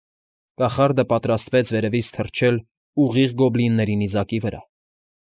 Կախարդը պատրաստվեց վերևից թռչել ուղիղ գոբլինների նիզակի վրա։